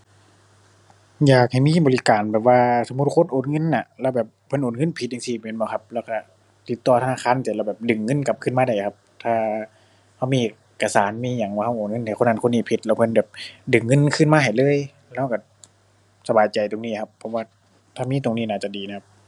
อยากให้มีบริการแบบว่าสมมุติคนโอนเงินน่ะ แล้วแบบเพิ่นโอนเงินผิดจั่งซี้แม่นบ่ครับ แล้วก็ติดต่อธนาคารเสร็จแล้วแบบดึงเงินกลับคืนมาได้ครับ ถ้าก็มีเอกสาร มีหยังว่าก็โอนเงินให้คนนั้นคนนี้ผิด แล้วเพิ่นแบบดึงเงินคืนมาให้เลย ก็ก็สบายใจตรงนี้ครับ ผมว่าถ้ามีตรงนี้น่าจะดีนะครับ